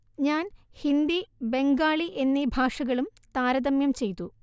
ഞാന്‍ ഹിന്ദി ബംഗാളി എന്നീ ഭാഷകളും താരതമ്യം ചെയ്തു